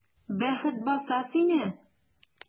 Бәхет баса сине!